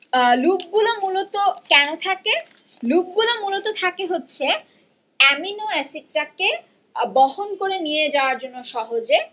loop গুলো মূলত কেন থাকে লুপ গুলো মূলত থাকে হচ্ছে অ্যামিনো এসিড টাকে বহন করে নিয়ে যাওয়ার জন্য সহজে